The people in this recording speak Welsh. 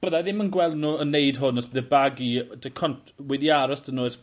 Bydda i ddim yn gweld n'w yn neud hwn os bydde Barguil 'di cont- wedi aros 'dy n'w ers